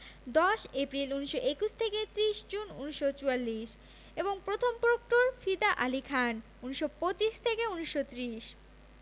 ১০ April ১৯২১ থেকে ৩০ June ১৯৪৪ এবং প্রথম প্রক্টর ফিদা আলী খান ১৯২৫ ১৯৩০